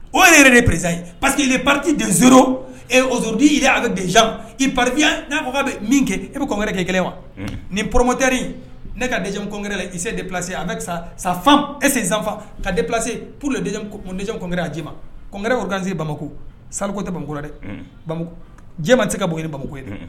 O yɛrɛ de prez ye pa que pati dezzdi ye a bɛz i paya' bɛ min kɛ i bɛ kɔn wɛrɛɛrɛ kɛ kɛlɛ wa ni pmteɛ ne ka de kɔnɔnkɛ la i se de plase a bɛ sa sa fan ese zanfa ka de plase pur dɛsɛ kɔnɔnkɛ a ji ma kɔnm wɛrɛɛrɛ odse bamakɔ sariku tɛ bamakokura dɛ jɛ ma tɛ se ka bɔ bamako ye dɛ